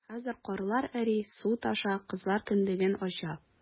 Хәзер карлар эри, су таша - кызлар кендеген ача...